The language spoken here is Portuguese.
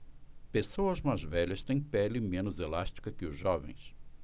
pessoas mais velhas têm pele menos elástica que os jovens